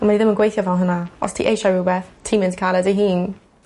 On' mae ddim yn gweithio fel hwnna. Os ti esie rwbeth ti mynd i ca'l e dy hun.